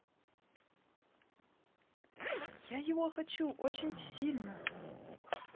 я его хочу очень сильно